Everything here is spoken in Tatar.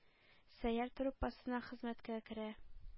«сәйяр» труппасына хезмәткә керә.